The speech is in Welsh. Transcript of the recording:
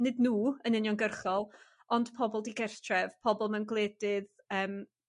nid nw yn uniongyrchol ond pobol di-gertref pobol mewn gwledydd yym